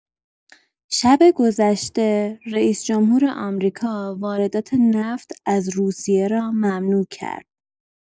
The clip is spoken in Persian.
شب گذشته، رئیس‌جمهور آمریکا واردات نفت از روسیه را ممنوع کرد.